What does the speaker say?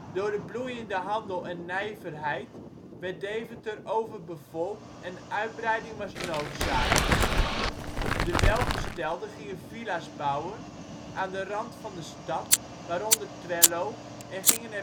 Door de bloeiende handel en nijverheid werd Deventer overbevolkt en uitbreiding was noodzaak. De welgestelden gingen villa 's bouwen aan de rand van de stad, waaronder Twello, en gingen